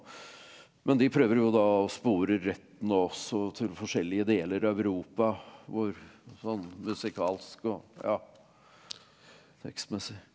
men de prøver jo da å spore retten også til forskjellige deler av Europa hvor sånn musikalsk og ja tekstmessig.